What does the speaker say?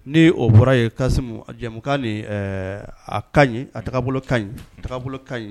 Ni o bɔra ye Kasim jɛmukan nin a ka ɲi a taabolo ka ɲi, taabolo ka ɲi